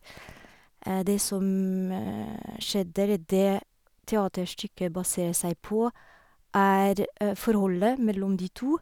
det som skjedde eller Det teaterstykket baserer seg på, er forholdet mellom de to.